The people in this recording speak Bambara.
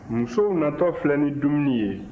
musow natɔ filɛ ni dumuni ye